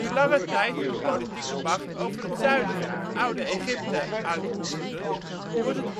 lange tijd de politieke macht over het zuiden van het Oude Egypte uitoefenden, wordt het